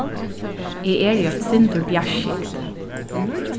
eg eri eitt sindur bjartskygd